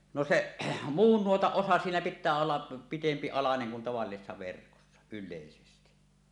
no se muun nuotan osat siinä pitää olla pitempi alanen kun tavallisessa verkossa yleisesti